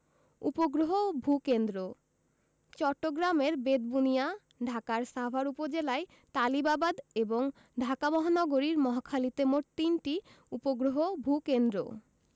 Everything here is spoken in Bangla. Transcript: উপগ্রহ ভূ কেন্দ্রঃ চট্টগ্রামের বেতবুনিয়া ঢাকার সাভার উপজেলায় তালিবাবাদ এবং ঢাকা মহানগরীর মহাখালীতে মোট তিনটি উপগ্রহ ভূ কেন্দ্র